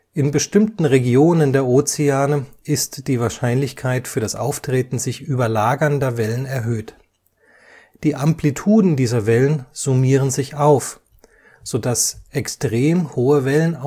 In bestimmten Regionen der Ozeane ist die Wahrscheinlichkeit für das Auftreten sich überlagernder Wellen erhöht. Die Amplituden dieser Wellen summieren sich auf, so dass extrem hohe Wellen